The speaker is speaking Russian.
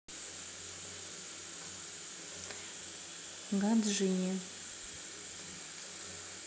гаджини